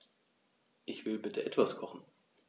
Ich will bitte etwas kochen.